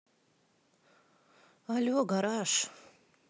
але гараж